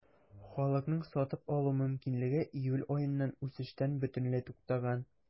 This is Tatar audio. Халыкның сатып алу мөмкинлеге июль аеннан үсештән бөтенләй туктаган.